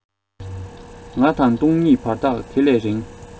ང དང སྟོང ཉིད བར ཐག དེ ལས རིང